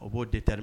O b'o di tɛ